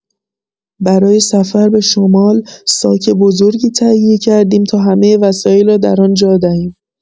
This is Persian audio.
برای سفر به شمال، ساک بزرگی تهیه کردیم تا همه وسایل را در آن جا دهیم.